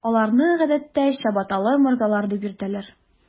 Аларны, гадәттә, “чабаталы морзалар” дип йөртәләр.